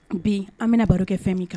Bi an bɛna baro kɛ fɛn min kan